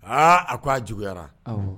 Aa a ko a juguyayara